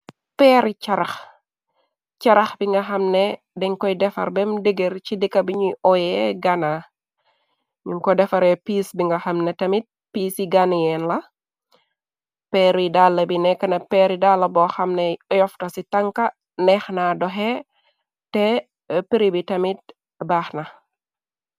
Peeri carax, carax bi nga xamne deñ koy defar bem degar ci dika bi ñuy ooye ghana. Num ko defare piis bi nga xam ne tamit piis yi ghania la, peer yi dalla bi nekkna peeryi dalla boo xamney oyofta ci tanka, neex na doxe te pri bi tamit baax na.